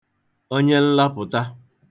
onye nlapụ̀ta